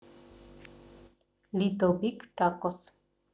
little big tacos